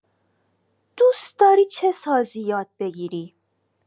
دوست‌داری چه سازی یاد بگیری؟